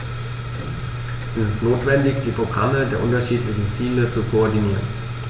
Es ist notwendig, die Programme der unterschiedlichen Ziele zu koordinieren.